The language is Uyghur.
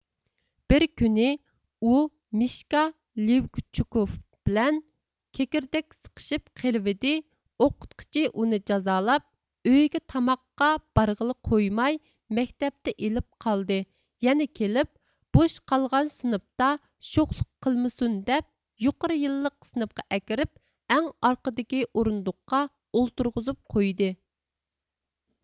بىر كۈنى ئۇ مىشكا لىۋگچۇكوف بىلەن كېكىردەك سىقىشىپ قېلىۋىدى ئوقۇتقۇچى ئۇنى جازالاپ ئۆيگە تاماققا بارغىلى قويماي مەكتەپتە ئېلىپ قالدى يەنە كېلىپ بوش قالغان سىنىپتا شوخلۇق قىلمىسۇن دەپ يۇقىرى يىللىق سىنىپقا ئەكىرىپ ئەڭ ئارقىدىكى ئورۇندۇققا ئولتۇرغۇزۇپ قويدى